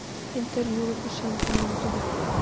интервью лукашенко на ютубе